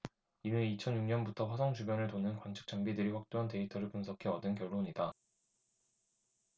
이는 이천 육 년부터 화성 주변을 도는 관측 장비들이 확보한 데이터를 분석해 얻은 결론이다